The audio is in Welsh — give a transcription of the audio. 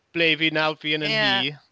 Ble 'y fi nawr? Fi yn nhŷ... ie